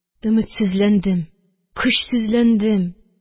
Өметсезләндем, көчсезләндем.